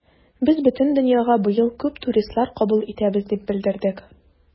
Без бөтен дөньяга быел күп туристлар кабул итәбез дип белдердек.